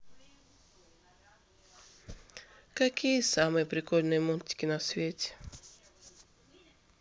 какие самые прикольные мультики на свете